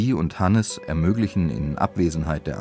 und Hannes ermöglichen in Abwesenheit